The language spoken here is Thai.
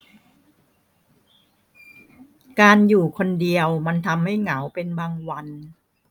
การอยู่คนเดียวมันทำให้เหงาเป็นบางวัน